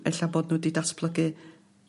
e'lla' bod n'w 'di datblygu